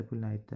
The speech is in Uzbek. pulni aytdi